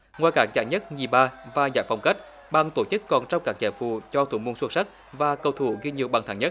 qua các giải nhất nhì ba và giải phong cách ban tổ chức còn trao các giải phụ cho thủ môn xuất sắc và cầu thủ ghi nhiều bàn thắng nhất